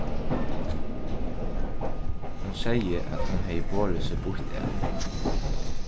hon segði at hon hevði borið seg býtt at